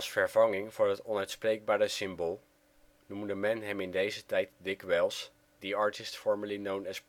vervanging voor het onuitspreekbare symbool noemde men hem in deze periode dikwijls The Artist Formerly Known as Prince